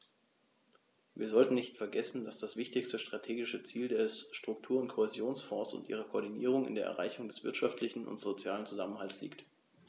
Wir sollten nicht vergessen, dass das wichtigste strategische Ziel der Struktur- und Kohäsionsfonds und ihrer Koordinierung in der Erreichung des wirtschaftlichen und sozialen Zusammenhalts liegt.